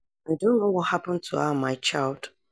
I don't know what happened to her and my child.